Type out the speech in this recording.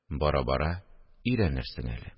Бара-бара өйрәнерсең әле